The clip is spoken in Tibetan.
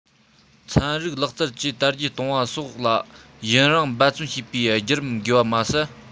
ཚན རིག ལག རྩལ བཅས དར རྒྱས གཏོང བ སོགས ལ ཡུན རིང འབད བརྩོན བྱེད པའི བརྒྱུད རིམ དགོས པར མ ཟད